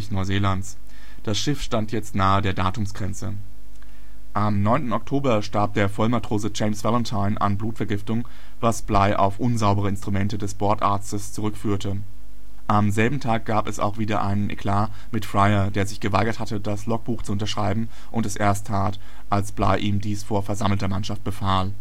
Neuseelands). Das Schiff stand jetzt nahe der Datumsgrenze. Am 9. Oktober starb der Vollmatrose James Valentine an Blutvergiftung, was Bligh auf unsaubere Instrumente des Bordarztes zurückführte. Am selben Tag gab es auch wieder einen Eklat mit Fryer, der sich geweigert hatte, das Logbuch zu unterschreiben, und es erst tat, als Bligh ihm dies vor versammelter Mannschaft befahl